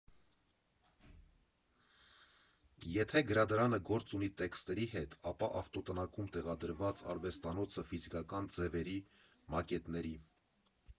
Եթե գրադարանը գործ ունի տեքստերի հետ, ապա ավտոտնակում տեղադրված արվեստանոցը՝ ֆիզիկական ձևերի, մակետների։